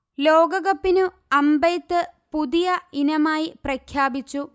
ലോകകപ്പിനും അമ്പെയ്ത്ത് പുതിയ ഇനമായി പ്രഖ്യാപിച്ചു